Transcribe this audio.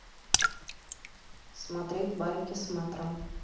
смотреть байки с мэтром